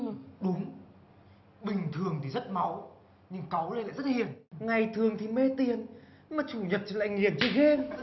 đúng bình thường thì rất máu nhưng cáu lên là rất hiền ngày thường thì mê tiền nhưng mà chủ nhật thì lại nghiện chơi game